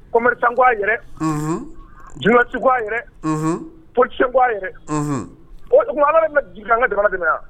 Commerçant ko a yɛrɛ unhun journaliste ko a yɛrɛ politicien ko a yɛrɛ unhun oo o kuma Ala de bena j jigin ka an ŋa jamana dɛmɛ a